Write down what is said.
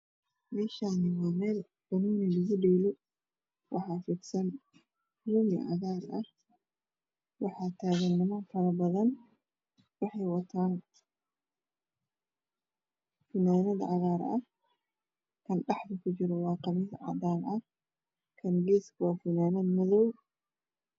Meshaani wa meel bonooni lagu dheelo waxaa fidsan roog cagaar ah waaxaa tagan niman fara badan waxey wataan funaanad cagar ah kan dhaxda ku jiro aaa qamiis cadaana ah kangesska waa funad madow